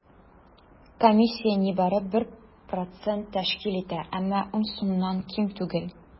Комиссия нибары 1 процент тәшкил итә, әмма 10 сумнан ким түгел.